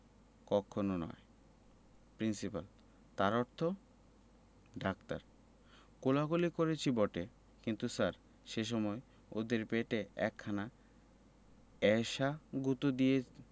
কক্ষণো নয় প্রিন্সিপাল তার অর্থ ডাক্তার কোলাকুলি করেছি বটে কিন্তু স্যার সে সময় ওদের পেটে এক একখানা এ্যায়সা গুঁতো